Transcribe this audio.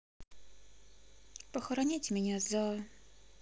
похороните меня за